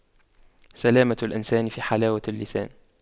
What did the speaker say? سلامة الإنسان في حلاوة اللسان